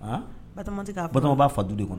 Bama tɛ' bato b'a fa du de kɔnɔ